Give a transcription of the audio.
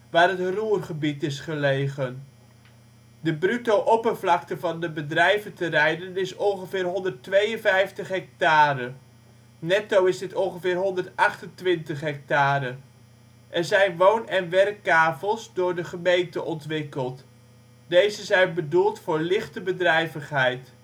waar het Ruhrgebied is gelegen. De bruto oppervlakte van de bedrijventerreinen is ongeveer 152 hectare. Netto is dit ongeveer 128 hectare. Er zijn woon - en werkkavels door de gemeente ontwikkeld. Deze zijn bedoeld voor lichte bedrijvigheid